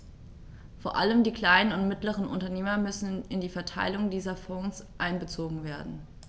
Vor allem die kleinen und mittleren Unternehmer müssen in die Verteilung dieser Fonds einbezogen werden.